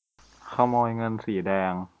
ขโมยเงินสีแดง